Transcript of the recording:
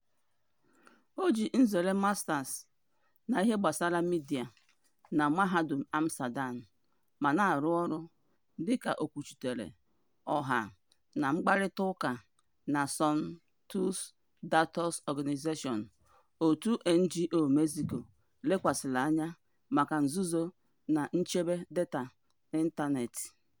O ji nzere Mastas na Ihe Gbasara Midia na Mahadum Amsterdam ma na-arụ ọrụ dịka Okwuchitere Ọha na Mkparịtaụka na SonTusDatos.org, òtù NGO Mexico lekwasịrị anya maka nzuzo na nchebe data n'ịntaneetị.